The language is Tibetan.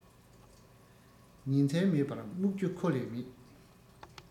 ཉིན མཚན མེད པར རྨྱུག རྒྱུ ཁོ ལས མེད